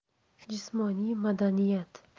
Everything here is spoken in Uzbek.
jismoniy madaniyat